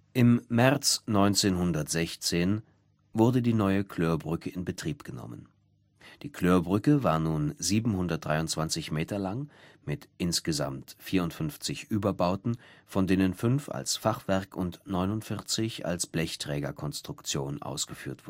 Im März 1916 wurde die neue Kloerbrücke in Betrieb genommen. Sie war nun 723 Meter lang, mit insgesamt 54 Überbauten, von denen fünf als Fachwerk - und 49 als Blechträgerkonstruktion ausgeführt